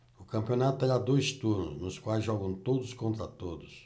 o campeonato terá dois turnos nos quais jogam todos contra todos